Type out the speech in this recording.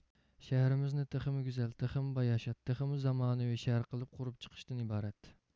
شەھىرىمىزنى تېخىمۇ گۈزەل تېخىمۇ باياشات تېخىمۇ زامانىۋى شەھەر قىلىپ قۇرۇپ چىقىشتىن ئىبارەت